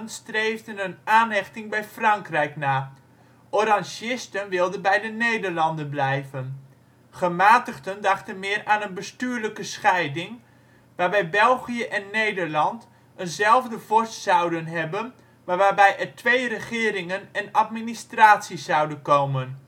streefden een aanhechting bij Frankrijk na; Orangisten wilden bij de Nederlanden blijven; gematigden dachten meer aan een bestuurlijke scheiding, waarbij België en Nederland eenzelfde vorst zouden hebben, maar waarbij er twee regeringen en administraties zouden komen